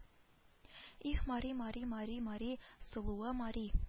Их мари мари мари мари сылуы мари